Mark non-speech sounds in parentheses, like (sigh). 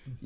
(hesitation) (hesitation)